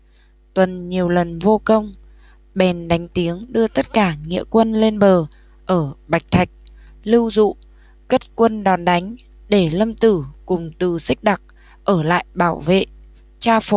tuần nhiều lần vô công bèn đánh tiếng đưa tất cả nghĩa quân lên bờ ở bạch thạch lưu dụ cất quân đón đánh để lâm tử cùng từ xích đặc ở lại bảo vệ tra phổ